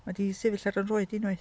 Mae 'di sefyll ar 'y nhroed i unwaith.